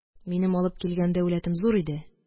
Минем алып килгән дәүләтем зур иде.